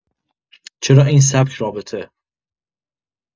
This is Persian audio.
چرا این سبک رابطه؟